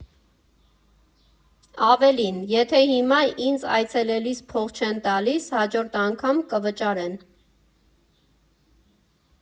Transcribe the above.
Ավելին՝ եթե հիմա ինձ այցելելիս փող չեն տալիս, հաջորդ անգամ կվճարե՜ն։